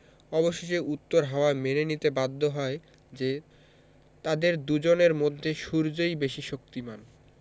অবশেষে উত্তর হাওয়া মেনে নিতে বাধ্য হয় যে তাদের দুজনের মধ্যে সূর্যই বেশি শক্তিমান